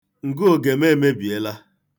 Ngụoge m emebiela.